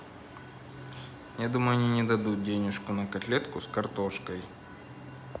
я думаю они не дадут денежку на котлетку с картошкой